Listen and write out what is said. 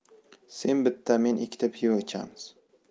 sen bitta men ikkita pivo ichamiz